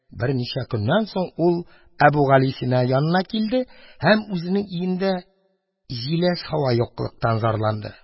Берничә көннән соң ул әбүгалисина янына килде һәм үзенең өендә җиләс һава юклыктан зарланды